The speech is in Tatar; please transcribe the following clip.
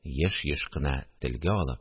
Еш-еш кына телгә алып